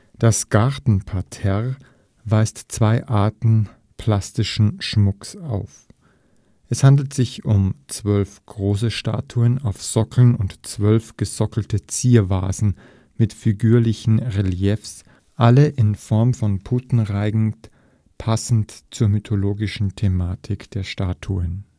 Das Gartenparterre weist zwei Arten plastischen Schmucks auf. Es handelt sich um zwölf große Statuen auf Sockeln und zwölf gesockelte Ziervasen mit figürlichen Reliefs alle in Form von Puttenreigen passend zur mythologischen Thematik der Statuen